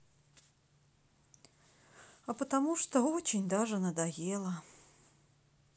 а потому что очень даже надоело